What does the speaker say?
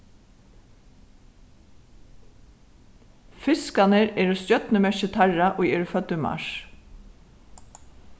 fiskarnir eru stjørnumerki teirra ið eru fødd í mars